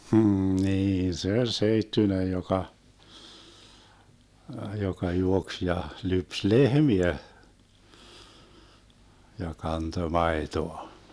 hm niin se oli seittyinen joka joka juoksi ja lypsi lehmiä ja kantoi maitoa